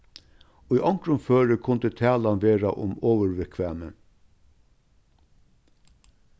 í onkrum føri kundi talan vera um ovurviðkvæmi